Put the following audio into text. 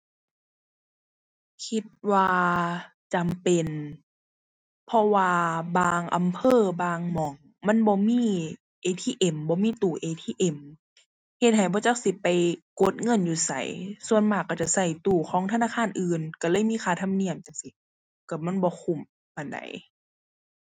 คิดว่าจำเป็น เพราะว่าบางอำเภอบางหม้อง มันบ่มี ATM บ่มีตู้ ATM เฮ็ดให้บ่จักสิไปกดเงินอยู่ไส ส่วนมากก็จะก็ตู้ของธนาคารอื่นก็เลยมีค่าธรรมเนียมจั่งซี้ ก็มันบ่คุ้มปานใด